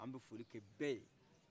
an bɛ foli kɛ bɛɛ ye